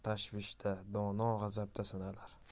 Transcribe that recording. tashvishda dono g'azabda sinalar